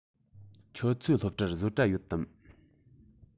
ཁྱོད ཚོའི སློབ གྲྭར བཟོ གྲྭ ཡོད དམ